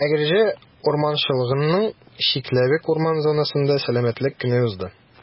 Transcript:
Әгерҗе урманчылыгының «Чикләвек» урман зонасында Сәламәтлек көне узды.